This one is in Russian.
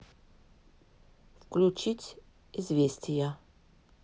включить известия